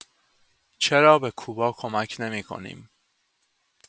چرا به کوبا کمک نمی‌کنیم؟